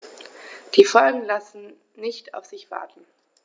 Die Folgen lassen nicht auf sich warten.